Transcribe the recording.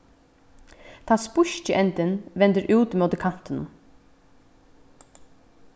tann spíski endin vendir út í móti kantinum